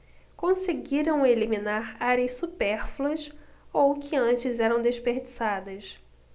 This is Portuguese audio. conseguiram eliminar áreas supérfluas ou que antes eram desperdiçadas